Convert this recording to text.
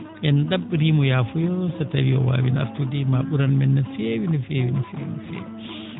en ?a??irii mo yaafuya so tawii waawiino artude maa ?uran men no feewo no feewi no feewi no feewi